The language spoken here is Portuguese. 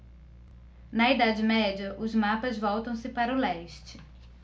na idade média os mapas voltam-se para o leste